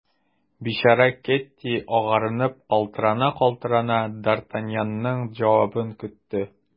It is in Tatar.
Бичара Кэтти, агарынып, калтырана-калтырана, д’Артаньянның җавабын көтте.